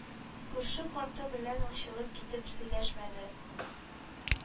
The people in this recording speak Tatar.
Күрше карты белән ачылып китеп сөйләшмәде,